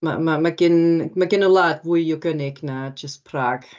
Ma' ma' gan ma' gan y wlad fwy i'w gynnig na jyst Prag.